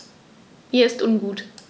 Mir ist ungut.